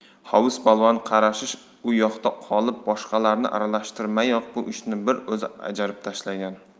hovuz polvon qarashish u yoqda qolib boshqalarni aralashtirmayoq bu ishni bir o'zi bajarib tashlagan